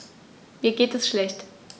Mir geht es schlecht.